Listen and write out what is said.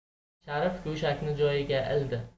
sharif go'shakni joyiga ildi